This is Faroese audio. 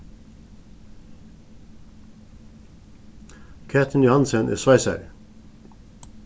katrin johannesen er sveisari